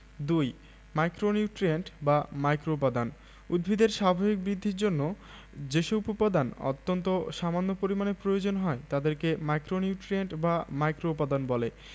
২ micronutrient বা মাইক্রোউপাদান উদ্ভিদের স্বাভাবিক বৃদ্ধির জন্য যেসব উপাদান অত্যন্ত সামান্য পরিমাণে প্রয়োজন হয় তাদেরকে মাইক্রোনিউট্রিয়েন্ট বা মাইক্রোউপাদান বলে